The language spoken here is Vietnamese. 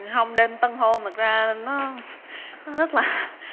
hông đêm tân hôn thật ra nó nó rất là